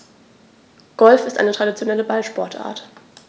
Golf ist eine traditionelle Ballsportart.